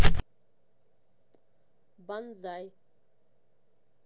банзай